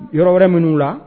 Yɔrɔ wɛrɛ minnu'u la